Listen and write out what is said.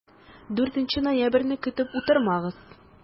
4 ноябрьне көтеп утырмагыз!